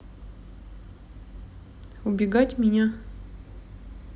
убегать меня